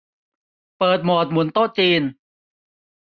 เปิดโหมดหมุนโต๊ะจีน